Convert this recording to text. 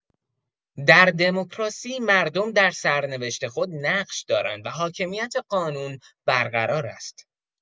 در دموکراسی مردم در سرنوشت خود نقش دارند و حاکمیت قانون برقرار است.